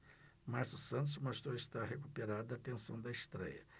márcio santos mostrou estar recuperado da tensão da estréia